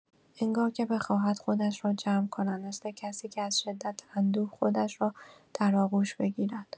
انگار که بخواهد خودش را جمع کند، مثل کسی که از شدت اندوه خودش را در آغوش بگیرد.